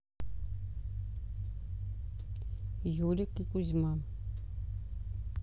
юлик и кузьма